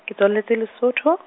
ke tswaletswe Lesotho.